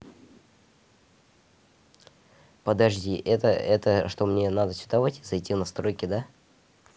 подожди это это что мне надо сюда вот зайти в настройки да